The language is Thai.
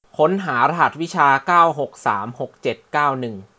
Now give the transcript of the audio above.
ค้นหารหัสวิชาเก้าหกสามหกเจ็ดเก้าหนึ่ง